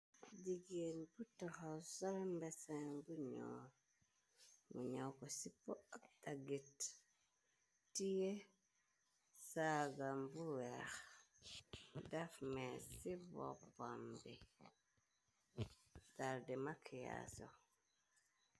Jigéen butaxa sara mbesin bomu ñoo ko ci poagit tie saagam bu weex daf mees ci boppm bi tardi makyaasu.